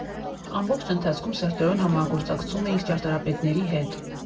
Ամբողջ ընթացքում սերտորեն համագործակցում էինք ճարտարապետների հետ։